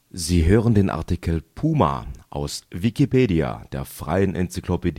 Sie hören den Artikel Puma, aus Wikipedia, der freien Enzyklopädie